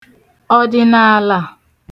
ọ̀dị̀nààlà